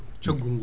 coggu ngu